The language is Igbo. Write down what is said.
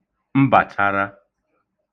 mbàchara